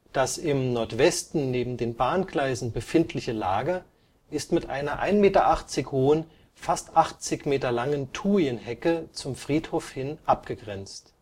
Das im Nordwesten neben den Bahngleisen befindliche Lager ist mit einer 1,8 Meter hohen, fast 80 Meter langen Thujenhecke zum Friedhof hin abgegrenzt